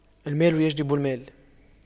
المال يجلب المال